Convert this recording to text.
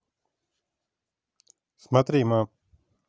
смотри ма